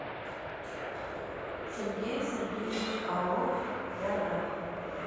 сергей сергеевич орлов биография